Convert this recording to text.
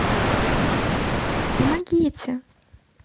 помогите